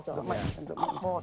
họ